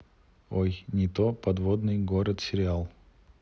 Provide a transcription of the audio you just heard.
ой не то подводный город сериал